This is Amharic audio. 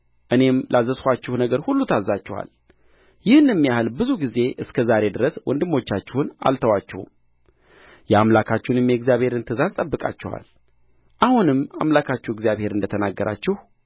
እኔም ላዘዝኋችሁ ነገር ሁሉ ታዝዛችኋል ይህንም ያህል ብዙ ጊዜ እስከ ዛሬ ድረስ ወንድሞቻችሁን አልተዋችሁም የአምላካችሁንም የእግዚአብሔርን ትእዛዝ ጠብቃችኋል አሁንም አምላካችሁ እግዚአብሔር እንደ ተናገራቸው